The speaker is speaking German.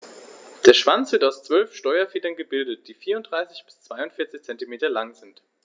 Der Schwanz wird aus 12 Steuerfedern gebildet, die 34 bis 42 cm lang sind.